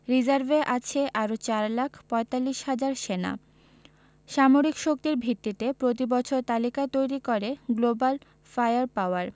রিজার্ভে আছে আরও ৪ লাখ ৪৫ হাজার সেনা সামরিক শক্তির ভিত্তিতে প্রতিবছর তালিকা তৈরি করে গ্লোবাল ফায়ার পাওয়ার